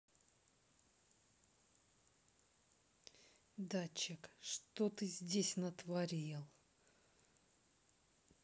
датчик что ты здесь натворил